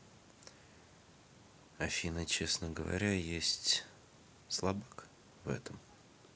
афина честно говоря есть слабак в этом